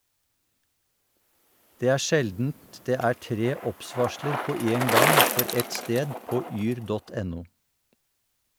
Det er sjeldent det er tre obs-varsler på én gang for ett sted på yr.no.